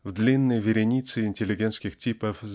в длинной веренице интеллигентских типов